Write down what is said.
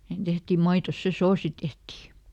siihen tehtiin maitoon se soosi tehtiin